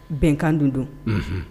Bɛnkan dun don